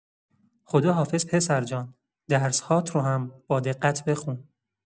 خداحافظ پسرجان، درس‌هات رو هم با دقت بخون.